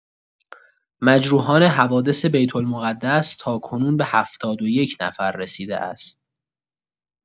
مجروحان حوادث بیت‌المقدس تاکنون به ۷۱ نفر رسیده است.